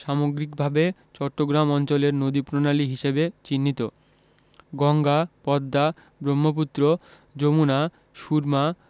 সামগ্রিকভাবে চট্টগ্রাম অঞ্চলের নদীপ্রণালী হিসেবে চিহ্নিত গঙ্গা পদ্মা ব্রহ্মপুত্র যমুনা সুরমা